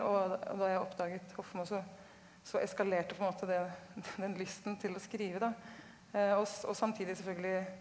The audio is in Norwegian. og da jeg oppdaget Hofmo så så eskalerte på en måte den lysten til å skrive da og og samtidig selvfølgelig.